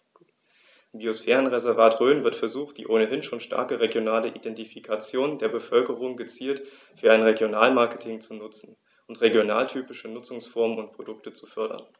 Im Biosphärenreservat Rhön wird versucht, die ohnehin schon starke regionale Identifikation der Bevölkerung gezielt für ein Regionalmarketing zu nutzen und regionaltypische Nutzungsformen und Produkte zu fördern.